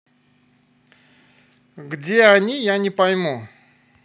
где они я не пойму